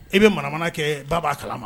I bɛ manamana kɛ ba b'a kala ma